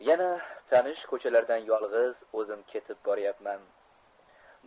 yana tanish ko'chalardan yolg'iz o'zim ketib boryapman